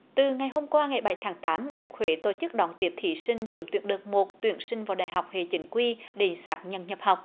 từ ngày hôm qua ngày bảy tháng tám đại học huế tổ chức đón tiếp thí sinh trúng tuyển đợt một tuyển sinh vào đại học hệ chính quy để xác nhận nhập học